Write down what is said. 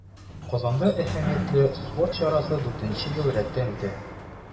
Казанда әһәмиятле спорт чарасы дүртенче ел рәттән үтә.